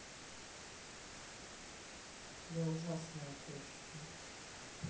я ужасная теща